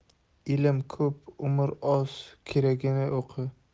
ilm ko'p umr oz keragini o'qi